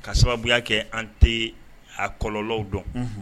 Ka sababuya kɛ an tɛ a kɔlɔlɔ dɔn